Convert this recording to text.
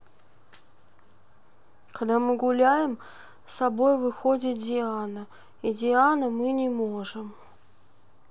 когда мы гуляем собой выходит диана и диана мы не можем